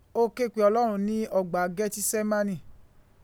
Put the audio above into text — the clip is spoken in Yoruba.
Ó kẹ́pẹ́ Ọlọ́run ní ọgbà Gẹ́tísémánì.